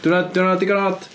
Di hwnna di hwnna'n digon od?